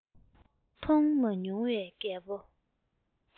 མཐོང མ མྱོང བའི རྒད པོ